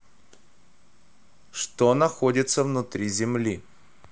что находится внутри земли